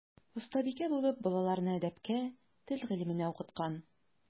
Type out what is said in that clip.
Остабикә булып балаларны әдәпкә, тел гыйлеменә укыткан.